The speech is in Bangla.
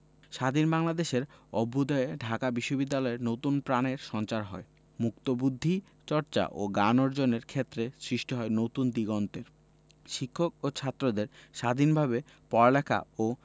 স্বাধীন বাংলাদেশের অভ্যুদয়ে ঢাকা বিশ্ববিদ্যালয়ে নতুন প্রাণের সঞ্চার হয় মুক্তবুদ্ধি চর্চা ও জ্ঞান অর্জনের ক্ষেত্রে সৃষ্টি হয় নতুন দিগন্তের শিক্ষক ও ছাত্রদের স্বাধীনভাবে পড়ালেখা ও